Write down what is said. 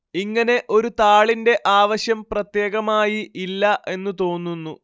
ഇങ്ങനെ ഒരു താളിന്റെ ആവശ്യം പ്രത്യേകമായി ഇല്ല എന്നു തോന്നുന്നു